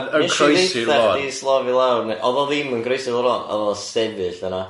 Nes i d- nes i ddeutha chdi slofi lawr ne- oedd o ddim yn groesi'r lôn, oedd o'n sefyll yna.